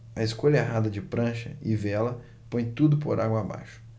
a escolha errada de prancha e vela põe tudo por água abaixo